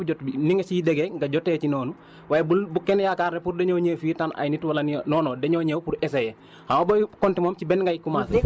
nga xam ne comme dañ koy jiw normal ñëpp jot ni nga siy déggee nga jotee ci noonu waaye bul bu kenn yaakaar ne pour dañoo ñëw fii tànn ay nit wala nii non non dañoo ñëw pour essayer